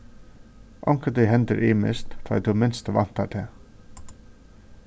onkuntíð hendir ymiskt tá ið tú minst væntar tað